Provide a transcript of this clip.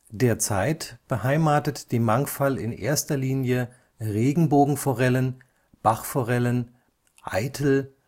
Derzeit beheimatet die Mangfall in erster Linie Regenbogenforellen, Bachforellen, Aitel